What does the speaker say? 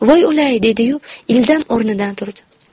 voy o'lay dedi yu ildam o'rnidan turdi